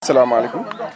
salaamaaleykum